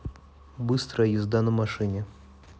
быстрая езда на машине